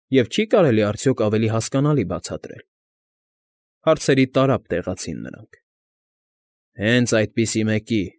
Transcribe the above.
Եվ չի՞ կարելի արդյոք ավելի հասկանալի բացատրել,֊ հարցրի տարափ տեղացին նրանք։ ֊ Հենց այդպիսի մեկի։